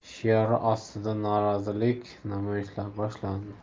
shiori ostida norozilik namoyishlari boshlandi